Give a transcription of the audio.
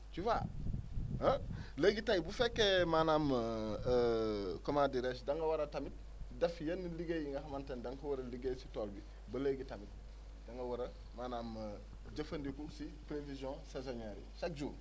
tu vois ah léegi tey bu fekkee maanaam comment dirais je da nga war a tamit def yenn liggéey yi nga xamante ni da nga ko war a liggéey si tool bi ba léegi tamit da nga war a maanaam jëfandiku si prévisions saisonnières yi chaque jour